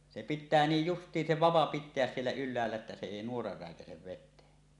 se pitää niin justiin se vapa pitää siellä ylhäällä että se ei nuora räikäise veteen